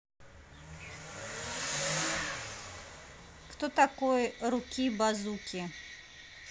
кто такой руки базуки